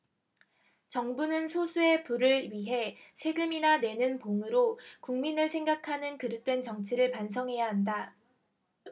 정부는 소수의 부를 위해 세금이나 내는 봉으로 국민을 생각하는 그릇된 정치를 반성해야 한다